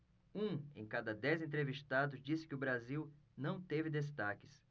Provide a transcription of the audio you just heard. um em cada dez entrevistados disse que o brasil não teve destaques